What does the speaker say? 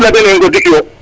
im leya dene i ŋodik yo